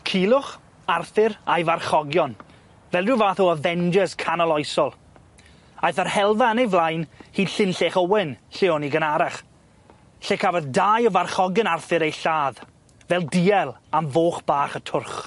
Culhwch, Arthur a'i farchogion, fel ryw fath o Avengers canoloesol, aeth yr helfa yn ei flaen hyd Llynllech Owen, lle o'n ni gynharach, lle cafodd dau o farchogion Arthur eu lladd, fel diel am foch bach y twrch.